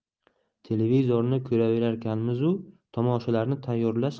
televizorni ko'raverarkanmizu tomoshalarni tayyorlash